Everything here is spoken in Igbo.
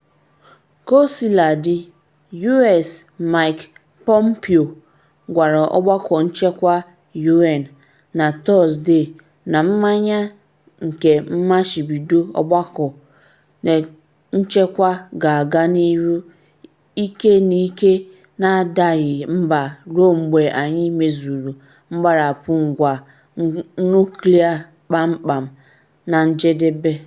Kosiladị, U.S Mike Pompeo gwara Ọgbakọ Nchekwa U,N Na Tọsde na “Mmanye nke mmachibido Ọgbakọ Nchekwa ga-aga n’ihu ike n’ike na-adaghị mba ruo mgbe anyị mezuru mgbarapụ ngwa nuklịa kpam kpam, na njedebe.”